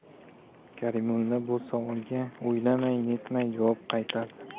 karimulla bu savolga o'ylamay netmay javob qaytardi